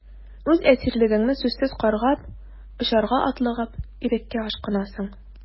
Үз әсирлегеңне сүзсез каргап, очарга атлыгып, иреккә ашкынасың...